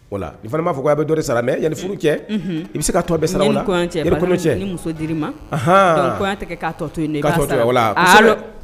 Voilà i fana b'a fɔ k'a bɛ do de sara dɛ yani furu cɛ i bɛ se ka tɔ bɛɛ sara o la yani kɔɲɔ cɛ ni di l'i ma donc kɔɲɔn tɛ kɛ ka tɔ to ye dɛ i b'a sara